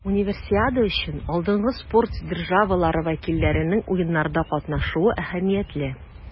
Универсиада өчен алдынгы спорт державалары вәкилләренең Уеннарда катнашуы әһәмиятле.